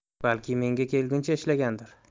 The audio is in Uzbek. balki menga kelgunicha ishlagandir